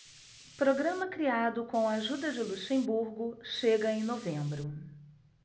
programa criado com a ajuda de luxemburgo chega em novembro